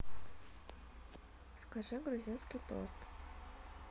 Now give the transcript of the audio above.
скажи грузинский тост